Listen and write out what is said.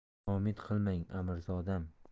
noumid qilmang amirzodam